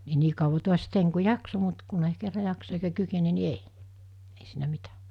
niin niin kauan taas tein kun jaksoin mutta kun ei kerran jaksa eikä kykene niin ei ei siinä mitä